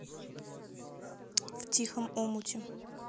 в тихом омуте